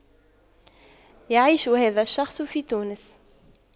يعيش هذا الشخص في تونس